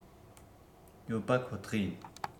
ཡོད པ ཁོ ཐག ཡིན